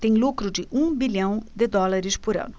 tem lucro de um bilhão de dólares por ano